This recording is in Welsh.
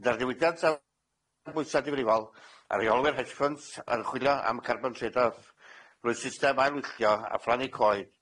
Gyda'r diwydiant da- bwysa difrifol, a rheolwyr hedge funds yn chwilio am carbon trade off drwy system ailwylltio a phlannu coed,